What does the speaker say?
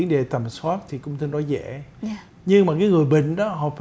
đề tầm soát thì cũng tương đối dễ nhưng mà người bệnh đó họ phải